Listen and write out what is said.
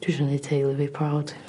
dwi isio neud teulu fi proud.